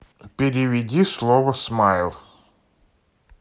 переведи слово смайл